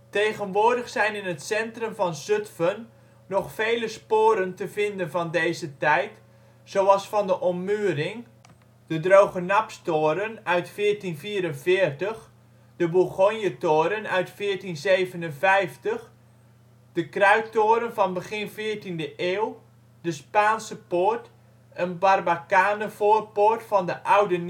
Tegenwoordig zijn in het centrum van Zutphen nog vele sporen te vinden van deze tijd, zoals van de ommuring: de Drogenapstoren uit 1444, de Bourgonjetoren uit 1457, de Kruittoren van begin 14e eeuw, de Spaanse Poort (een barbacane-voorpoort van de oude